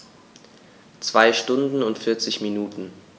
2 Stunden und 40 Minuten